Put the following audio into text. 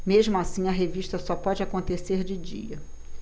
mesmo assim a revista só pode acontecer de dia